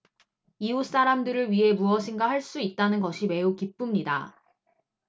이웃 사람들을 위해 무엇인가 할 수 있다는 것이 매우 기쁩니다